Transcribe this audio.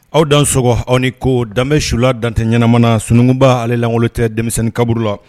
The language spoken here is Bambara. Aw dan sɔgɔ aw ni ko dan sula dantɛ ɲmana sununkunba ale tɛ denmisɛnnin kaburu la